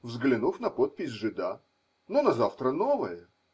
взглянув на подпись жида, но на завтра новое.